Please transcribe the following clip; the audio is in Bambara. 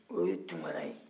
o ye tunkara ye